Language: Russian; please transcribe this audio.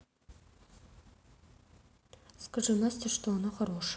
скажи насте что она хорошая